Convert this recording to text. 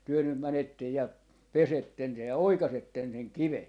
te nyt menette ja pesette se ja oikaisette sen kiven